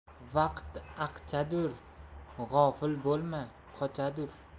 vaqt aqchadur g'ofil bo'lma qochadur